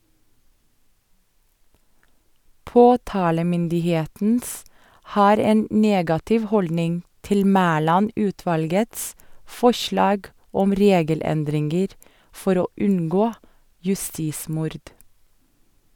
Påtalemyndigheten har en negativ holdning til Mæland-utvalgets forslag om regelendringer for å unngå justismord.